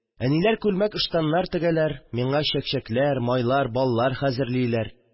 Әниләр күлмәк-ыштаннар тегәләр, миңа чәкчәкләр, майлар, баллар хәзерлиләр